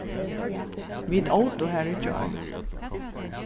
vit ótu har í gjár